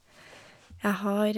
Jeg har...